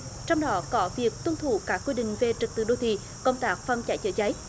trong đó có việc tuân thủ các quy định về trật tự đô thị công tác phòng cháy chữa cháy